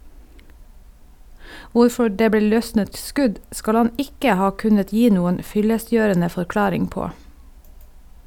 Hvorfor det ble løsnet skudd skal han ikke ha kunnet gi noen fyllestgjørende forklaring på.